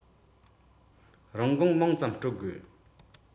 རིན གོང མང ཙམ སྤྲོད དགོས